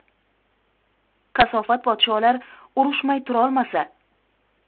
kasofat podsholar urushmay turolmasa